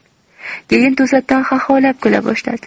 keyin to'satdan xaxolab kula boshladi